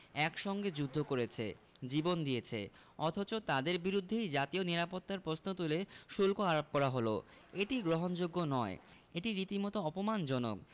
একসঙ্গে যুদ্ধ করেছে জীবন দিয়েছে অথচ তাঁদের বিরুদ্ধেই জাতীয় নিরাপত্তার প্রশ্ন তুলে শুল্ক আরোপ করা হলো এটি গ্রহণযোগ্য নয় এটি রীতিমতো অপমানজনক